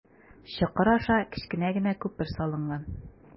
Чокыр аша кечкенә генә күпер салынган.